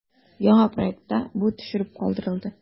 Яңа проектта бу төшереп калдырылды.